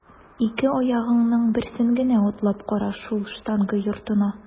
Ике аягыңның берсен генә атлап кара шул штанга йортына!